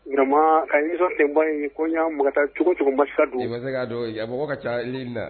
Vraiment émission yan mɔgɔ ka ca ligne na